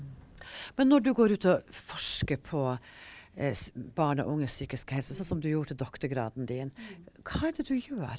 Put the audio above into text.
men når du går ut og forsker på barn og unges psykiske helse, sånn som du gjorde til doktorgraden din, hva er det du gjør?